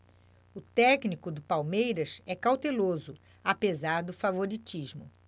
o técnico do palmeiras é cauteloso apesar do favoritismo